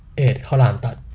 เอดข้าวหลามตัด